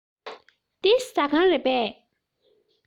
འདི ཟ ཁང རེད པས